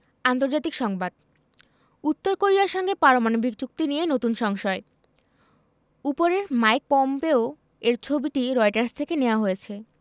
আন্তর্জাতিক সংবাদ উত্তর কোরিয়ার সঙ্গে পারমাণবিক চুক্তি নিয়ে নতুন সংশয় উপরের মাইক পম্পেও এর ছবিটি রয়টার্স থেকে নেয়া হয়েছে